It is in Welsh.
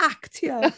Actio.